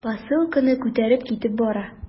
Посылканы күтәреп китеп бара.